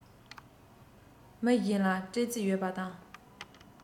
མི གཞན ལ སྤྲད རྩིས ཡོད པ དང